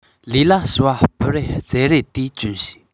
ལུས ལ ཕྱུ པ སྤུ རུབ རྩབ རལ དེ གྱོན བྱས